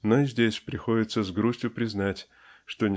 Но и здесь приходится с грустью признать что